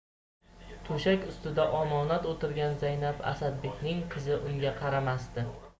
to'shak ustida omonat o'tirgan zaynab asadbekning qizi unga qaramasdi